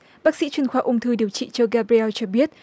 bác sĩ chuyên khoa ung thư điều trị cho ga beo cho biết